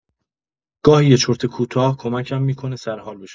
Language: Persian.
گاهی یه چرت کوتاه کمکم می‌کنه سرحال بشم!